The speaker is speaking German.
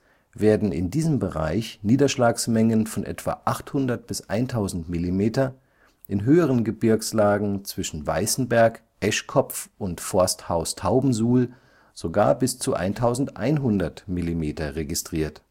werden in diesem Bereich Niederschlagsmengen von etwa 800 bis 1000 mm, in höheren Gebirgslagen zwischen Weißenberg, Eschkopf und Forsthaus Taubensuhl sogar bis zu 1100 mm registriert